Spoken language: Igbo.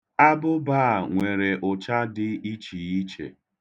Abụba a nwere ụcha dị ichiiche.